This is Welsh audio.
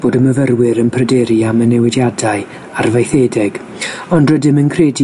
bod y myfyrwyr yn pryderu am y newidiadau arfaethedig, ond rydym yn credu